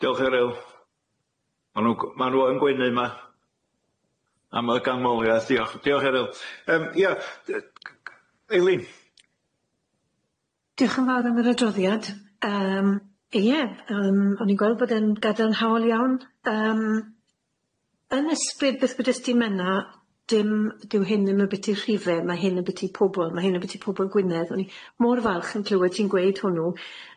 Diolch Eryl ma' nw ma' nw yn gwenu yma am y gangmoliaeth diolch diolch Eryl, yym ia dy- c- c- Eileen. Diolch yn fawr am y adroddiad, yym ie yym o ni'n gweld bod o'n gadarnhaol iawn. yym yn ysbryd beth ddudis di menna, dyw hyn ddim abyti rhife, ma hyn ambyti pobl Gwynedd, o ni mor falch yn clywe ti'n dweud hwnnw